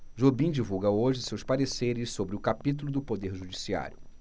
jobim divulga hoje seus pareceres sobre o capítulo do poder judiciário